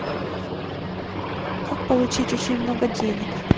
как получить очень много денег